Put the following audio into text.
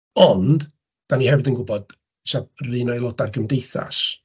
Ond, dan ni hefyd yn gwybod, 'sa 'r un o'r aelodau'r Gymdeithas...